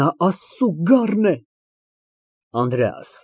Նա Աստծու գառն է։ ԱՆԴՐԵԱՍ ֊